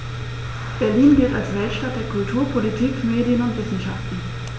Berlin gilt als Weltstadt der Kultur, Politik, Medien und Wissenschaften.